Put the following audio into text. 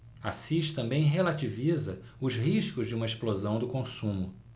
assis também relativiza os riscos de uma explosão do consumo